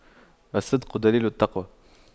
الصدق دليل التقوى